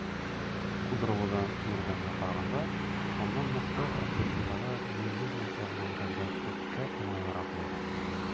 Кудроводан йөргәнгә караганда аннан Мәскәү проспектындагы Диңгез мәктәбенә йөрергә күпкә уңайлырак булган.